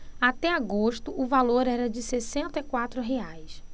até agosto o valor era de sessenta e quatro reais